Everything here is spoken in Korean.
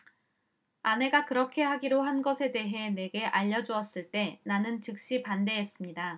아내가 그렇게 하기로 한 것에 대해 내게 알려 주었을 때 나는 즉시 반대하였습니다